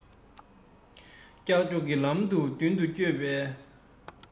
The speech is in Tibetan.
ཀྱག ཀྱོག གི ལམ དུ མདུན དུ བསྐྱོད པའི